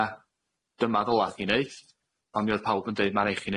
â dyma ddyla chi neud on' mi o'dd pawb yn deud ma' rai' chi